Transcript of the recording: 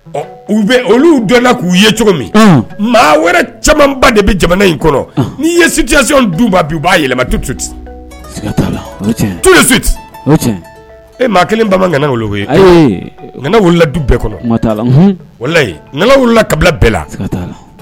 Ɔ u bɛ olu donnana k'u ye cogo min maa wɛrɛ camanba de bɛ jamana in kɔnɔ ni ye sidisi duba bi u b'a yɛlɛma du tuti tu ee maa kelenba ŋ olu wilila du bɛɛ kɔnɔ oyi wili wulilala kabila bɛɛ la